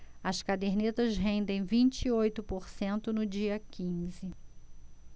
as cadernetas rendem vinte e oito por cento no dia quinze